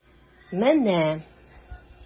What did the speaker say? Менә...